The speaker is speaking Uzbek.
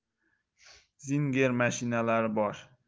zinger mashinalari bor